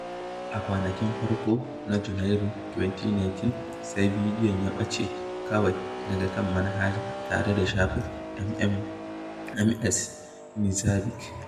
A kwanakin farko na Janairun 2019, sai bidiyon ya ɓace kawai daga kan manhajar tare da shafin Ms. Knezeɓic.